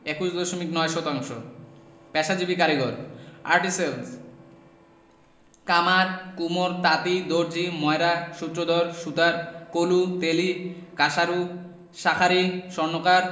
২১ দশমিক ৯ শতাংশ পেশাজীবী কারিগরঃ আর্টিসেন্স কামার কুমার তাঁতি দর্জি ময়রা সূত্রধর সুতার কলু তেলী কাঁসারু শাঁখারি স্বর্ণকার